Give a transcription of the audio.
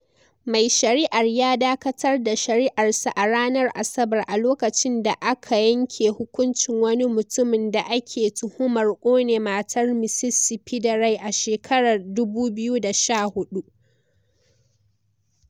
Mai Shari'ar ya dakatar da shari'arsa a ranar Asabar a lokacin da aka yanke hukuncin wani mutumin da ake tuhumar kone matar Mississippi da rai a shekarar 2014.